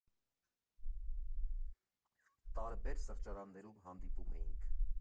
Տարբեր սրճարաններում հանդիպում էինք։